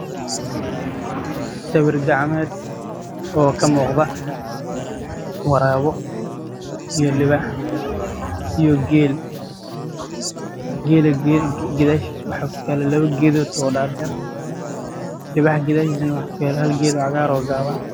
Waa sawir gacmeed uu ka muuqdo dhurwaa iyo libaax iyo geel